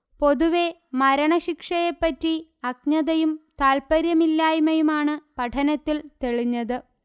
പൊതുവേ മരണശിക്ഷയെപ്പറ്റി അജ്ഞതയും താല്പര്യമില്ലായ്മയുമാണ് പഠനത്തിൽ തെളിഞ്ഞത്